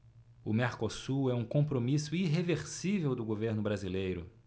o mercosul é um compromisso irreversível do governo brasileiro